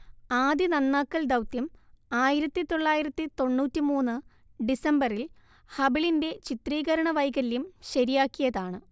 ആദ്യ നന്നാക്കൽ ദൗത്യം ആയിരത്തി തൊള്ളായിരത്തി തൊണ്ണൂറ്റി മൂന്ന് ഡിസംബറിൽ ഹബിളിന്റെ ചിത്രീകരണ വൈകല്യം ശരിയാക്കിയതാണ്